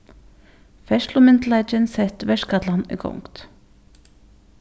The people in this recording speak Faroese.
ferðslumyndugleikin sett verkætlan í gongd